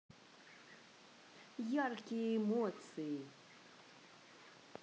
яркие эмоции